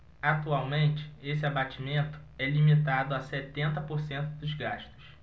atualmente esse abatimento é limitado a setenta por cento dos gastos